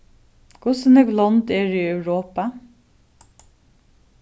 hvussu nógv lond eru í europa